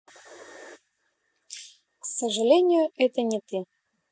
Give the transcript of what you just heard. к сожалению это не то